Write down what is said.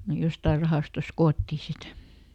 ne jostakin rahastosta koottiin sitten